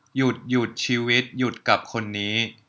หยุดหยุดชีวิตหยุดกับคนนี้